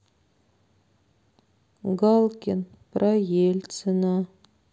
галкин про ельцина